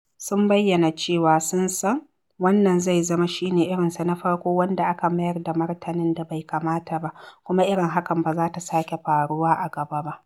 Sun bayyana cewa sun san "wannan zai zama shi ne irinsa na farko wanda aka mayar da martanin da bai kamata ba kuma irin hakan ba za ta sake faruwa a gaba ba".